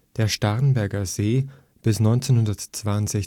Der Starnberger See (bis 1962: Würmsee) ist